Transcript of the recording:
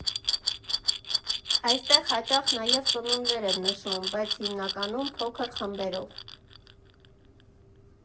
Այստեղ հաճախ նաև ծնունդներ են նշում, բայց հիմնականում փոքր խմբերով։